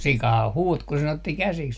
sikahan huusi kun sen otti käsiksi